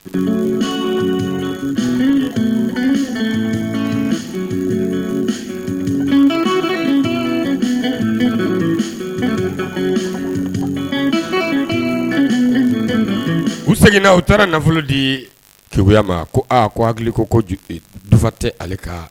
U seginna u taara nafolo di ceya ma ko aaa ko hakili ko ko dafafa tɛ ale kan